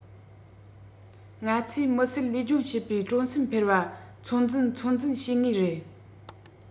ང ཚོས མི སེར ལུས སྦྱོང བྱེད པའི སྤྲོ སེམས འཕེལ བ ཚོད འཛིན ཚོད འཛིན བྱེད ངེས རེད